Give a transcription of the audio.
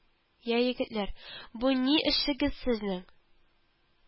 Я, егетләр, бу ни эшегез сезнең